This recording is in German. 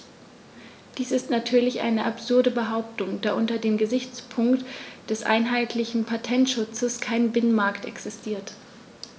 Dies ist natürlich eine absurde Behauptung, da unter dem Gesichtspunkt des einheitlichen Patentschutzes kein Binnenmarkt existiert.